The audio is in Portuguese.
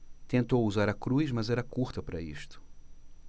tentou usar a cruz mas era curta para isto